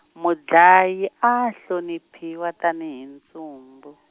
mudlayi a hloniphiwa tani hi ntsumbu.